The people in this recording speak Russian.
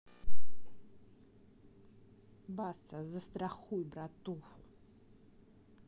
баста застрахуй братуху